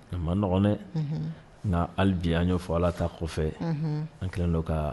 Nka ma n nɔgɔɛ n' alidenya an' fɔ ala ta kɔfɛ an kɛlen dɔ ka